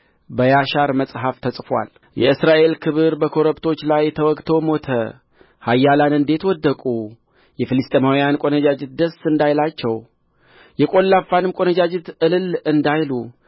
በያሻር መጽሐፍ ተጽፎአል የእስራኤል ክብር በኮረብቶች ላይ ተወግቶ ሞተ ኃያላን እንዴት ወደቁ የፍልስጥኤማውያን ቈነጃጅት ደስ እንዳይላቸው የቈላፋንም ቈነጃጅት እልል እንዳይሉ